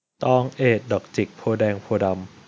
ตองเอดดอกจิกโพธิ์แดงโพธิ์ดำ